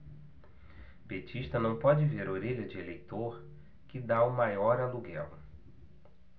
petista não pode ver orelha de eleitor que tá o maior aluguel